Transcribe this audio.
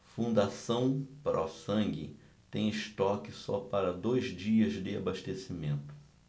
fundação pró sangue tem estoque só para dois dias de abastecimento